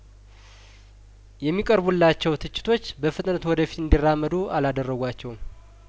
የሚቀርቡላቸው ትችቶች በፍጥነት ወደፊት እንዲ ራመዱ አላደረጓቸውም